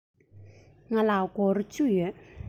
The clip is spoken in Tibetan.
ང ལ སྒོར བཅུ ཡོད